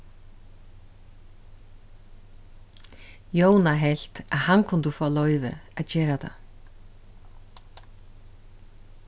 jóna helt at hann kundi fáa loyvi at gera tað